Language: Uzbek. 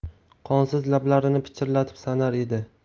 qonsiz lablarini pichirlatib sanar edi